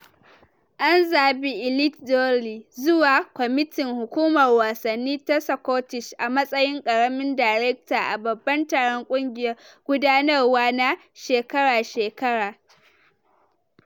An zabi Eilidh Doyle zuwa kwamitin hukumar wasanni ta Scottish a matsayin karamin darekta a babban taron kungiyar gudanarwa na shekara-shekara.